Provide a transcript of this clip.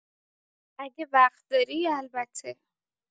اگه وقت داری البته!